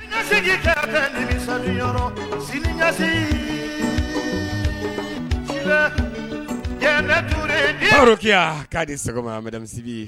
Tunya k'a di ye